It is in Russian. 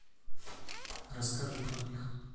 расскажи про них